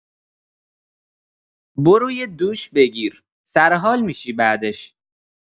برو یه دوش بگیر، سر حال می‌شی بعدش!